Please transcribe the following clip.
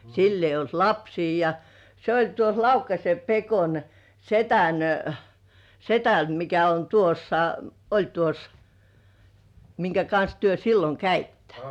sillä ei ollut lapsia ja se oli tuossa Laukkasen Pekon sedän sedän mikä on tuossa oli tuossa minkä kanssa te silloin kävitte